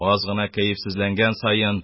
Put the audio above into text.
Аз гына кәефсезләнгән саен: